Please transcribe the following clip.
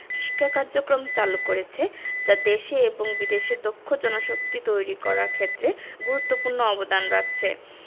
শিক্ষা কার্যক্রম চালু করেছে যা দেশে এবং বিদেশে দক্ষ জনশক্তি তৈরি করার ক্ষেত্রে গুরুত্বপূর্ণ অবদান রাখছে